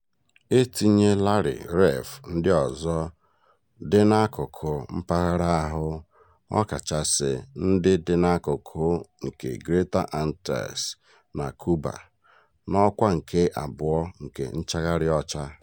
E tinyelarị Reef ndị ọzọ dị n'akụkụ mpaghara ahụ, ọkachasị ndị dị n'akụkụ nke Greater Antilles na Cuba, n'ọkwa nke abụọ nke nchagharị ọcha: